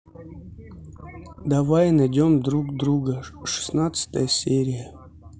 давай найдем друг друга шестнадцатая серия